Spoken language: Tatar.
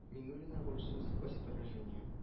Миннуллина гульсум сквозь поражения